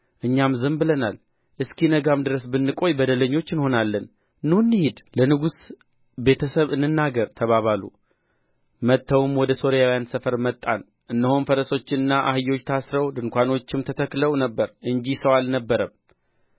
እኛም ዝም ብለናል እስኪነጋም ድረስ ብንቆይ በደለኞች እንሆናለን ኑ እንሂድ ለንጉሥ ቤተ ሰብ እንናገር ተባባሉ መጥተውም ወደ ሶርያውያን ሰፈር መጣን እነሆም ፈረሶችና አህዮች ታስረው ድንኳኖችም ተተክለው ነበር እንጂ ሰው አልነበረም